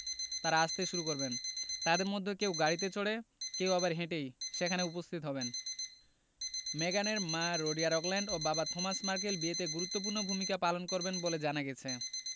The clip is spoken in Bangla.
তাঁরা আসতে শুরু করবেন তাঁদের মধ্যে কেউ গাড়িতে চড়ে কেউ আবার হেঁটেই সেখানে উপস্থিত হবেন মেগানের মা রোডিয়া রাগল্যান্ড ও বাবা থমাস মার্কেল বিয়েতে গুরুত্বপূর্ণ ভূমিকা পালন করবেন বলে জানা গেছে